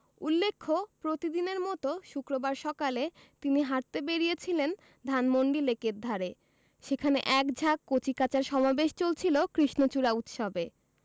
উল্লেখ্য প্রতিদিনের মতো শুক্রবার সকালে তিনি হাঁটতে বেরিয়েছিলেন ধানমন্ডি লেকের ধারে সেখানে এক ঝাঁক কচিকাঁচার সমাবেশ চলছিল কৃষ্ণচূড়া উৎসবে